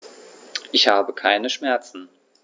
Ich habe keine Schmerzen.